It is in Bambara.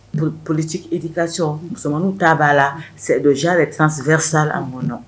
Polisi idi kac musomanw t'a b'a la sɛ donsoya de bɛ taa sɛ fisasa la mɔnɔ